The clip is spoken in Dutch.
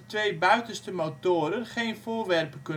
twee buitenste motoren geen voorwerpen